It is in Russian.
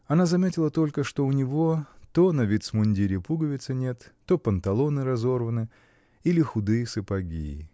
Она заметила только, что у него то на вицмундире пуговицы нет, то панталоны разорваны или худые сапоги.